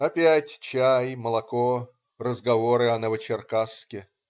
Опять чай, молоко, разговоры о Новочеркасске.